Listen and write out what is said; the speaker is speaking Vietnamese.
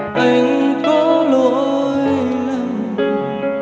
anh có lỗi lầm